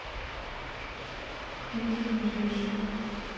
найди ближайший